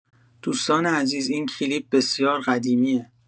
دوستان عزیز این کلیپ بسیار قدیمیه